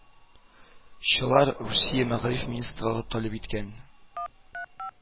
Чылар русия мәгариф министрлыгы таләп иткән